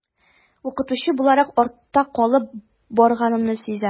Укытучы буларак артта калып барганымны сизәм.